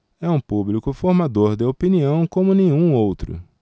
é um público formador de opinião como nenhum outro